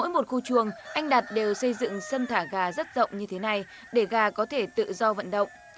mỗi một khu chuồng anh đạt đều xây dựng sân thả gà rất rộng như thế này để gà có thể tự do vận động